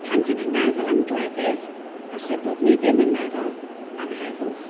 Pan dan ni'n meddwl am gleddyf, falle bod ni ddim yn meddwl am heddwch.